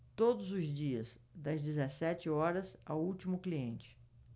todos os dias das dezessete horas ao último cliente